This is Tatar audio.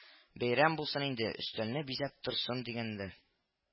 Бәйрәм булсын инде, өстәлне бизәп торсын дигәндер